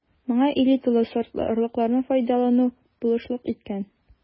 Моңа элиталы сортлы орлыкларны файдалану булышлык иткән.